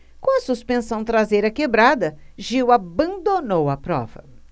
com a suspensão traseira quebrada gil abandonou a prova